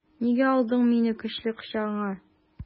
Нигә алдың мине көчле кочагыңа?